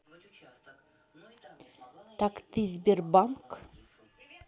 так ты сбербанк